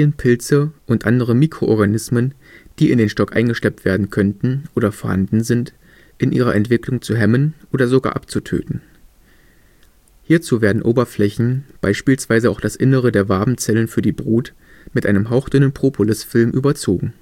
Pilze und andere Mikroorganismen, die in den Stock eingeschleppt werden könnten oder vorhanden sind, in ihrer Entwicklung zu hemmen oder sogar abzutöten. Hierzu werden Oberflächen, beispielsweise auch das Innere der Wabenzellen für die Brut, mit einem hauchdünnen Propolisfilm überzogen